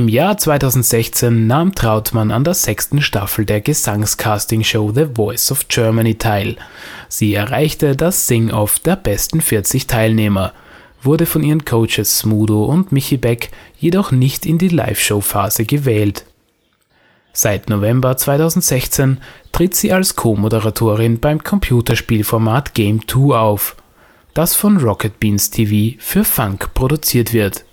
Jahr 2016 nahm Trautmann an der sechsten Staffel der Gesangs-Castingshow The Voice of Germany teil. Sie erreichte das „ Sing Off “der besten 40 Teilnehmer, wurde von ihren Coaches Smudo und Michi Beck jedoch nicht in die Liveshow-Phase gewählt. Seit November 2016 tritt sie als Co-Moderatorin beim Computerspielformat Game Two auf, das von Rocket Beans TV für funk produziert wird